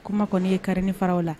Kuma kɔni' ye karifaw la